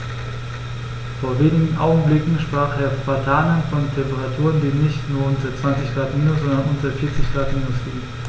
Vor wenigen Augenblicken sprach Herr Vatanen von Temperaturen, die nicht nur unter 20 Grad minus, sondern unter 40 Grad minus liegen.